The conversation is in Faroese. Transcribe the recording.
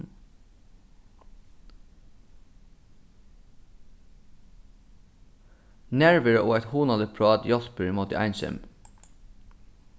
nærvera og eitt hugnaligt prát hjálpir ímóti einsemi